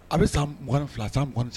A bɛ san 22 san 23